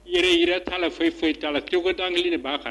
Yɛrɛ jira t'a la foyi foyi t'ala de b'a kan